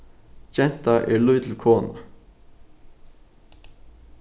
genta er lítil kona